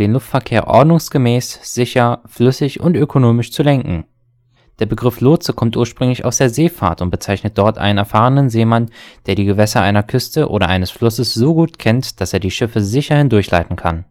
Luftverkehr ordnungsgemäß, sicher, flüssig und ökonomisch zu lenken. Der Begriff Lotse kommt ursprünglich aus der Seefahrt und bezeichnet dort einen erfahrenen Seemann, der die Gewässer einer Küste oder eines Flusses so gut kennt, dass er Schiffe sicher hindurchleiten kann